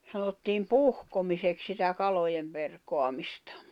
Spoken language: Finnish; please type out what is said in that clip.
sanottiin puhkomiseksi sitä kalojen perkaamista